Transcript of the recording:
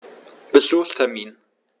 Besuchstermin